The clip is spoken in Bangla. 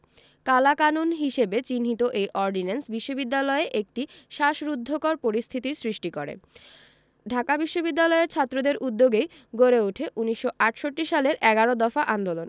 কালাকানুন হিসেবে চিহ্নিত এ অর্ডিন্যান্স বিশ্ববিদ্যালয়ে একটি শ্বাসরুদ্ধকর পরিস্থিতির সৃষ্টি করে ঢাকা বিশ্ববিদ্যালয়ের ছাত্রদের উদ্যোগেই গড়ে উঠে ১৯৬৮ সালের এগারো দফা আন্দোলন